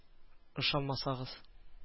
Ышанмасагыз